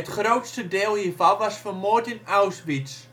grootste deel hiervan was vermoord in Auschwitz